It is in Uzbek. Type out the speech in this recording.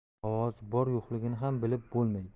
ovozi bor yo'qligini ham bilib bo'lmaydi